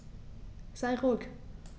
Sei ruhig.